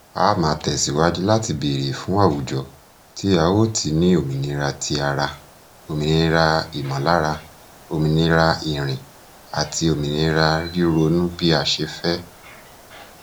A máa tẹ̀síwajú láti béèrè fún àwùjọ tí a óò ti ní òmìnira ti ara, òmìnira ìmọ̀lára, òmìnira ìrìn àti òmìnira ríronú bí a ṣe fẹ́.